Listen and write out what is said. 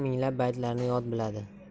minglab baytlarni yod biladi